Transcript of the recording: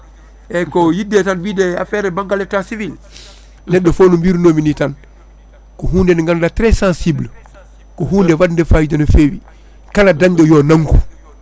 eyyi ko yidde tan wiide affaire banggal état civil neɗɗo fo no mbirunomi ni tan ko hunde nde ganduɗa trés sensible ko hunde wande fayida no fewi kala dañɗo yo naggu